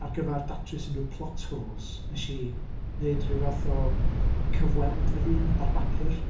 Ar gyfer datrys unrhyw plot holes wnes i wneud ryw fath o cyfweld fy hun ar bapur.